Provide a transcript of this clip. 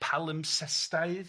palimpsestaidd.